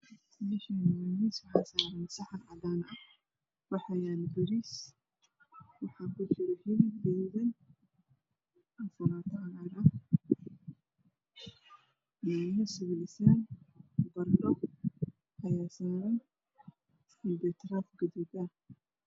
Miiskaan waxaa saaran saxan cadaan ah waxaa kujira bariis waxaa kujiro hilib gaduudan yaanyo simisaam ansalaato cagaaran iyo baradho.